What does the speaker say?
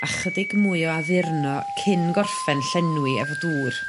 a chydig mwy o addurno cyn gorffen llenwi efo dŵr.